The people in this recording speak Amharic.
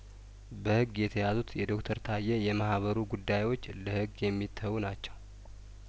በህግ የተያዙት የዶክተር ታዬ የማህበሩ ጉዳዮች ለህግ የሚተዉ ናቸው